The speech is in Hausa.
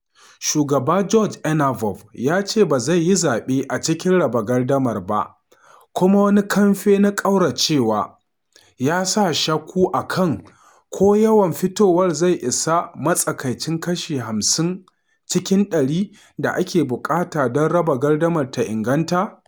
Shugaba Gjorge Ivanov ya ce ba zai yi zaɓe a cikin raba gardamar ba kuma wani kamfe na ƙauracewa ya sa shakku a kan ko yawan fitowar zai isa matsaikacin kashi 50 cikin ɗari da ake buƙata don raba gardamar ta inganta.